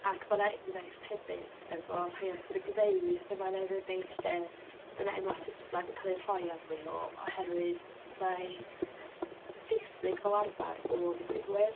Ac mae 'na enghraifft hefyd efo rhai o'r dringfeydd yma yn Eryri lle, mae 'na enwau Saesnag yn cael eu rhoi arnyn nhw oherwydd mai Saesnig fel arfer oedd y dringwyr.